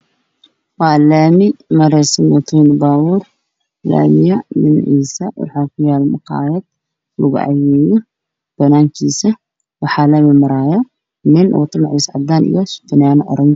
Halkaan waxaa ka muuqdo boor cadaan ah oo ay ku qoran hilaac UK waxaana ku sawiran cunooyin waxaana hoos fadhiyo dad ayaa wax ku cunaayo waxaan ag maro laami ay baabuurta maraan